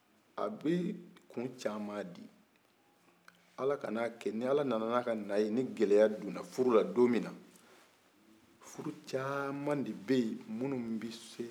a bi kun caman di ala kana kɛ ni ala nana n'a ka na ye ni gɛlɛya donna furu la don min furu caman de bɛ yin minnu bɛ sa